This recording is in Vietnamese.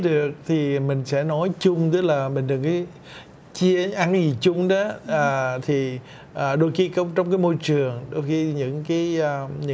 được thì mình sẽ nói chung là mình đừng nghĩ chị s chúng đã à thì à đôi khi công trong môi trường đôi khi những cái những